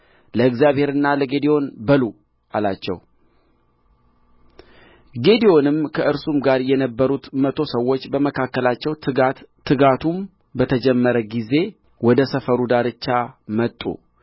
እኔ ከእኔም ጋር ያሉት ሁሉ ቀንደ መለከት ስንነፋ እናንተ ደግሞ በሰፈሩ ዙሪያ ሁሉ ቀንደ መለከታችሁን ንፉ ለእግዚአብሔርና ለጌዴዎን በሉ አላቸው